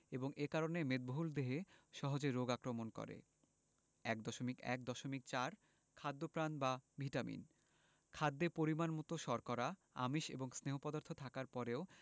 এবং এ কারণে মেদবহুল দেহে সহজে রোগ আক্রমণ করে ১.১.৪ খাদ্যপ্রাণ বা ভিটামিন খাদ্যে পরিমাণমতো শর্করা আমিষ এবং স্নেহ পদার্থ থাকার পরেও